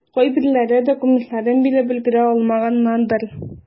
Кайберләре документларын биреп өлгерә алмагандыр.